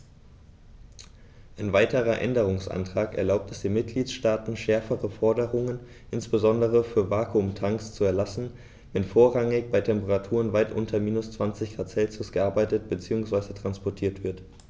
Ein weiterer Änderungsantrag erlaubt es den Mitgliedstaaten, schärfere Forderungen, insbesondere für Vakuumtanks, zu erlassen, wenn vorrangig bei Temperaturen weit unter minus 20º C gearbeitet bzw. transportiert wird.